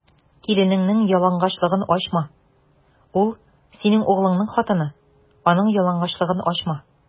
Киленеңнең ялангачлыгын ачма: ул - синең углыңның хатыны, аның ялангачлыгын ачма.